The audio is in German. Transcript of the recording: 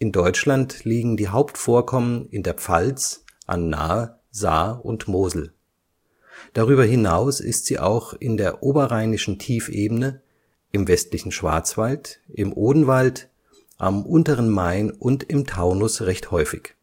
Deutschland liegen die Hauptvorkommen in der Pfalz, an Nahe, Saar und Mosel. Darüber hinaus ist sie auch in der Oberrheinischen Tiefebene, im westlichen Schwarzwald, im Odenwald, am unteren Main und im Taunus recht häufig